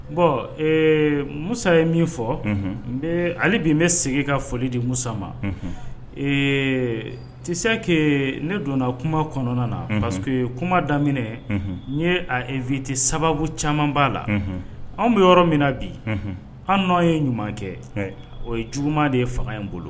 Bɔn musa ye min fɔ ale bi bɛ segin ka foli di musa ee tese ne donna kuma kɔnɔna na paseke ye kuma daminɛ n a ye viti sababu caman b'a la anw bɛ yɔrɔ min na bi an n' ye ɲuman kɛ o ye juma de ye fanga in bolo